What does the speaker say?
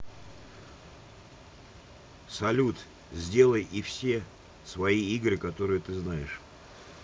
салют сделай и все свои игры которые ты знаешь